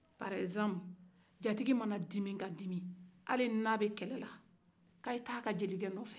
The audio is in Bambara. parizanple jatigi mana dimi ka dimi hali ni a bɛ kɛlɛ la ko a a ye taga a ka jelikɛ nɔfɛ